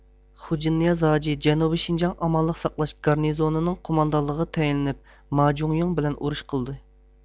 خوج انىياز ھاجى جەنۇبىي شىنجاڭ ئامانلىق ساقلاش گارنىزونىنىڭ قوماندانلىقىغا تەيىنلىنىپ ما جۇڭيىڭ بىلەن ئۇرۇش قىلىدۇ